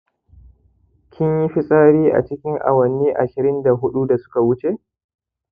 kinyi fitsari a cikin awanni ashirin da huda da suka wuce?